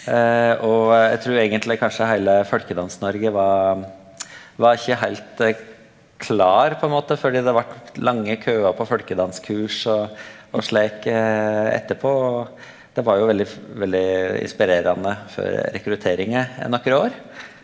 og eg trur eigentleg kanskje heile folkedans-Noreg var var ikkje heilt klar på ein måte, fordi det vart lange køar på folkedanskurs og og slik etterpå, og det var jo veldig veldig inspirerande for rekrutteringa nokre år.